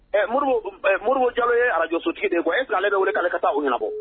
Moribo jalo ye arajsotigi de kuwa e' ale bɛ wele' ka taa u ɲɛnabɔ